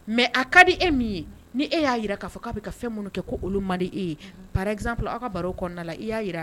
Mais a ka di e min ye ni e y'a jira k'a fɔ a ka baro kɔnna na k'a bɛ ka fɛn minnu kɛ ko olu man di e ye par exemple . aw ka baro kɔnɔna i y'a jira